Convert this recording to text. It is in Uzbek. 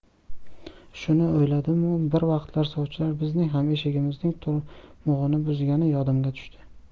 shuni o'yladimu bir vaqtlar sovchilar bizning ham eshigimizning turmugini buzgani yodimga tushdi